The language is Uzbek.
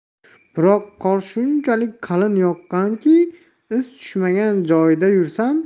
biroq qor shunchalik qalin yoqqanki iz tushmagan joyda yursam